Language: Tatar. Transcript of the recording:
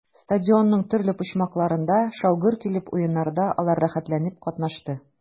Стадионның төрле почмакларында шау-гөр килеп уеннарда алар рәхәтләнеп катнашты.